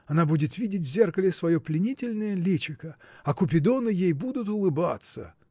Она будет видеть в зеркале свое пленительное личико, а купидоны ей будут улыбаться.